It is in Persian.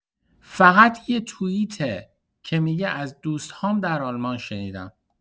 فقط یک توییته که می‌گه از دوست‌هام در آلمان شنیدم.